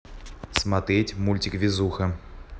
смотреть мультик везуха